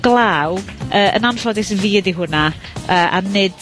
glaw, yy yn anffodus, fi ydi hwnna, yy, a nid